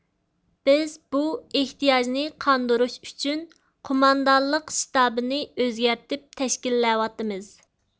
بىز بۇ ئېھتىياجنى قاندۇرۇش ئۈچۈن قوماندانلىق شتابىنى ئۆزگەرتىپ تەشكىللەۋاتىمىز